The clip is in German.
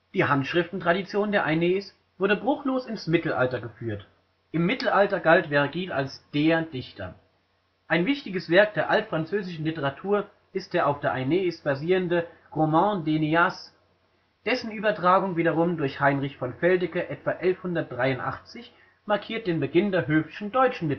Die Handschriftentradition der Aeneis wurde bruchlos ins Mittelalter geführt. Im Mittelalter galt Vergil als „ der Dichter “. Ein wichtiges Werk der altfranzösischen Literatur ist der auf der Aeneis basierende Roman d'Énéas. Dessen Übertragung wiederum durch Heinrich von Veldeke etwa 1183 markiert den Beginn der höfischen deutschen